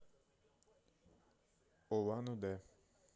улан уде